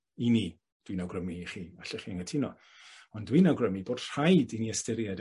I ni, dwi'n awgrymu i chi, allwch chi anghytuno ond dwi'n awgrymu bod rhaid i ni ystyried